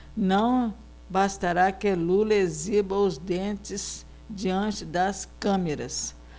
não bastará que lula exiba os dentes diante das câmeras